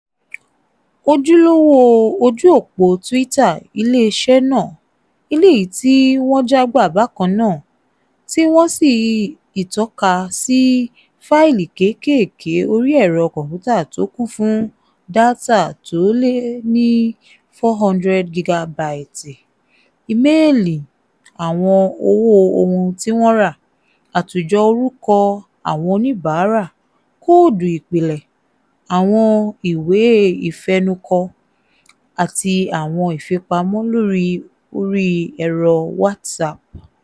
Ojúlówo ojú òpó Twitter iléeṣẹ́ náà, eléyìí tí wọ́n jágbà bákan náà, tí wọ́n sí itọ́ka sí fáìlì kékèèké orí ẹ̀rọ kọ̀m̀pútà tó kún fún dátà tó lé ní 400 gígábáìtì: Íméelì, àwọn owó ohun tí wọ́n rà, àtòjọ orúkọ àwọn oníbàárà, koòdù ìpìlẹ̀, àwọn ìwé ìfẹnukò àti àwọn ifipamọ́ láti orí ẹ̀rọ WhatsApp